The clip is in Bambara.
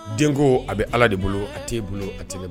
Denko a bɛ ala de bolo a t'e bolo a t bolo